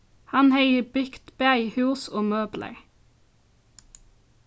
hann hevði bygt bæði hús og møblar